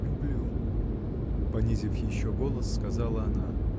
люблю, — понизив еще голос, начала она.